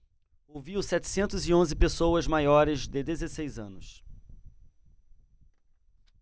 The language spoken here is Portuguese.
ouviu setecentos e onze pessoas maiores de dezesseis anos